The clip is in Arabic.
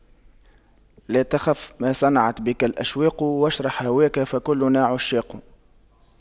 لا تخف ما صنعت بك الأشواق واشرح هواك فكلنا عشاق